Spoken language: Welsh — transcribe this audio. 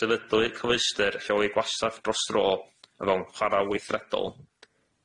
sefydlu cyfleustr lleoli gwastath dros dro o fewn chwaral weithredol